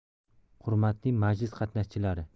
hurmatli majlis qatnashchilari